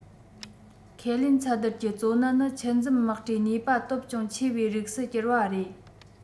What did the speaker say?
ཁས ལེན ཚད བསྡུར གྱི གཙོ གནད ནི ཆུ འཛུལ དམག གྲུའི ནུས པ སྟོབས ཅུང ཆེ བའི རིགས སུ གྱུར བ རེད